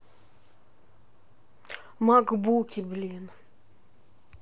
макбуки блин